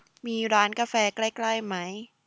มีร้านกาแฟใกล้ใกล้ไหม